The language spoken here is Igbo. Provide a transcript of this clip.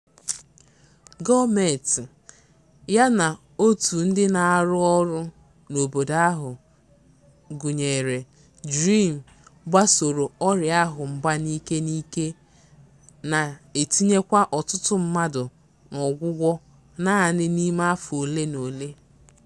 Gọọmentị, yana òtù ndị na-arụ ọrụ n'obodo ahụ, gụnyere DREAM, gbasoro ọrịa ahụ mgba n'ike n'ike, na-etinyekwa ọtụtụ mmadụ n'ọgwụgwọ naanị n'ime afọ ole na ole.